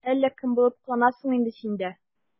Әллә кем булып кыланасың инде син дә...